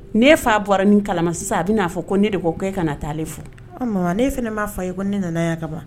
N'ie fa bɔra ni kala sisan a bɛ n'a fɔ ko ne de ko ko e kana taa ale fɔ ne fana ne m'a fa ye ko ne nana yan ka